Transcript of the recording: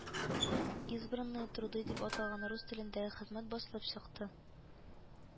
Избранные труды дип аталган рус телендәге хезмәт басылып чыкты